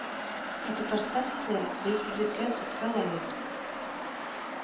Ә Татарстан исә бәйсезлеккә күпкә лаек